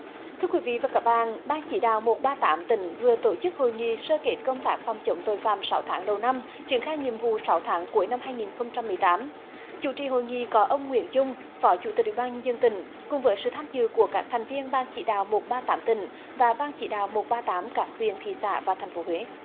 thưa quý vị và các bạn ban chỉ đạo một ba tám tỉnh vừa tổ chức hội nghị sơ kết công tác phòng chống tội phạm sáu tháng đầu năm triển khai nhiệm vụ sáu tháng cuối năm hai nghìn không trăm mười tám chủ trì hội nghị có ông nguyễn dung phó chủ tịch ủy ban nhân dân tỉnh cùng với sự tham dự của các thành viên ban chỉ đạo một ba tám tỉnh và ban chỉ đạo một ba tám các huyện thị xã và thành phố huế